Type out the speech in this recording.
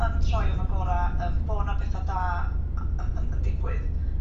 yn troi am y gora' yym bo' 'na petha da y- yn yn yn digwydd?